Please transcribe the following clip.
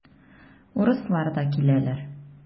Урыслар да киләләр.